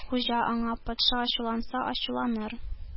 Хуҗа аңа: Патша ачуланса ачуланыр,